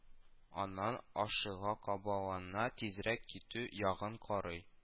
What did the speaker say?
Аннан ашыга-кабалана тизрәк китү ягын карый